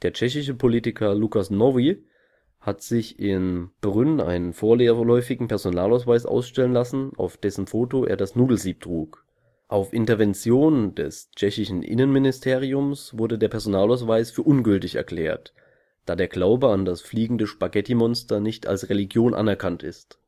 tschechische Politiker Lukas Novy hat sich in Brno (Brünn) einen vorläufigen Personalausweis ausstellen lassen, auf dessen Foto er das Nudelsieb trug. Auf Intervention des tschechischen Innenministeriums wurde der Personalausweis für ungültig erklärt, da der Glaube an das Fliegende Spaghettimonster nicht als Religion anerkannt ist